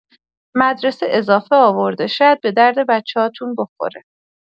مدرسه اضافه آورده، شاید به درد بچه‌هاتون بخوره.